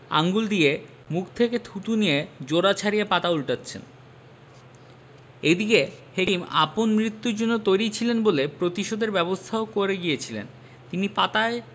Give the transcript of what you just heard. আঙুল দিয়ে মুখ থেকে থুথু নিয়ে জোড়া ছাড়িয়ে পাতা উল্টোচ্ছেন এদিকে হেকিম আপন মৃত্যুর জন্য তৈরি ছিলেন বলে প্রতিশোধের ব্যবস্থাও করে গিয়েছিলেন তিনি পাতায়